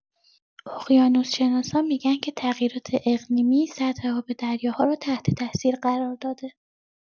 اقیانوس‌شناسا می‌گن که تغییرات اقلیمی، سطح آب دریاها رو تحت‌تأثیر قرار داده.